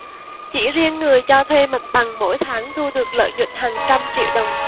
chỉ riêng người cho thuê mặt bằng mỗi tháng thu được lợi nhuận hàng trăm triệu đồng